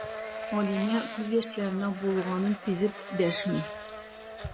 Алинә күз яшьләренә буылганын сизеп дәшми.